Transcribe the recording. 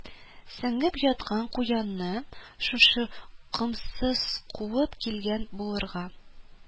Сеңеп яткан куянны шушы комсыз куып килгән булырга